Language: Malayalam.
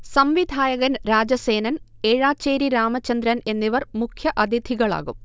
സംവിധായകൻ രാജസേനൻ, ഏഴാച്ചേരി രാമചന്ദ്രൻ എന്നിവർ മുഖ്യഅഥിതികളാകും